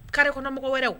Kari kɔnɔ mɔgɔ wɛrɛ